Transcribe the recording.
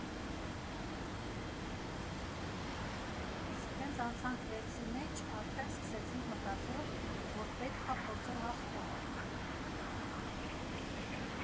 Իսկ հենց անցանք վեցի մեջ, արդեն սկսեցինք մտածել, որ պետք ա փորձել հաղթել։